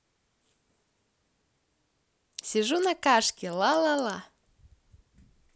сижу на кашке лалала